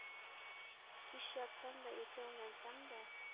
Кич ятсам да, иртә уянсам да,